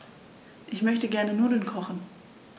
Ich möchte gerne Nudeln kochen.